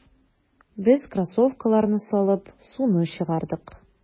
Без кроссовкаларны салып, суны чыгардык.